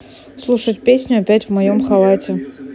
слушать песню опять в моем халате